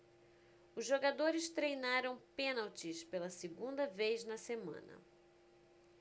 os jogadores treinaram pênaltis pela segunda vez na semana